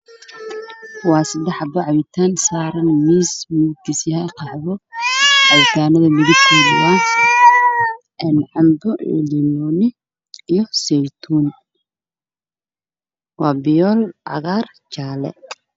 Waa saddex buu cabitaan oo saaran mas qax iyo ah mid kalarkiisu waa cagaar waana camba midna waa jaalo midna waa qaro